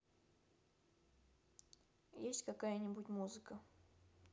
есть какая нибудь музыка